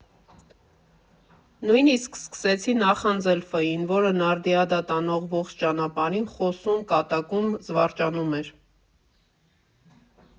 Նույնիսկ սկսեցի նախանձել Ֆ֊ին, որը Նարդիադա տանող ողջ ճանապարհին խոսում, կատակում, զվարճանում էր։